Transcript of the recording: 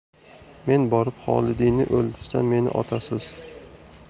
men borib xolidiyni o'ldirsam meni otasiz